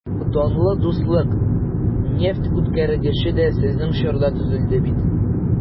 Данлы «Дуслык» нефтьүткәргече дә сезнең чорда төзелде бит...